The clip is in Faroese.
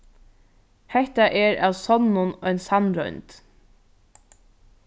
hetta er av sonnum ein sannroynd